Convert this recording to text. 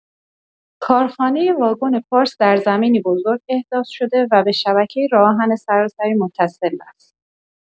کارخانه واگن پارس در زمینی بزرگ احداث شده و به شبکه راه‌آهن سراسری متصل است.